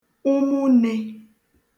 umunē